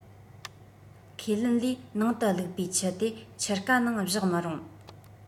ཁས ལེན ལས ནང དུ བླུག པའི ཆུ དེ ཆུ རྐ ནང བཞག མི རུང